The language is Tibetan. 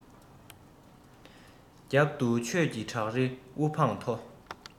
རྒྱབ ཏུ ཆོས ཀྱི བྲག རི དབུ འཕང མཐོ